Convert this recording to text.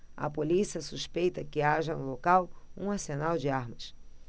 a polícia suspeita que haja no local um arsenal de armas